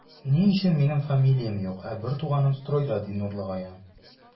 Ни өчен минем фамилиям юк, ә бертуганым стройда, ди Нурлыгаян.